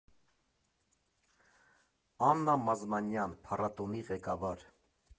Աննա Մազմանյան, փառատոնի ղեկավար։